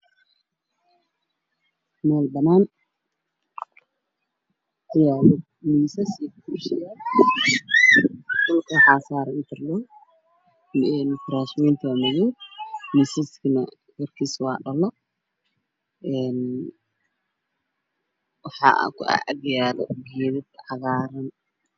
Meel banaan ah ayaan ku rasmisaas waxaa fadhiya dad badan muxuuna horfadhiyo nin wata shaaticad iyo surwaal jaalo